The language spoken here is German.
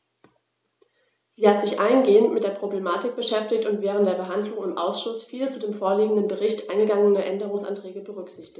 Sie hat sich eingehend mit der Problematik beschäftigt und während der Behandlung im Ausschuss viele zu dem vorliegenden Bericht eingegangene Änderungsanträge berücksichtigt.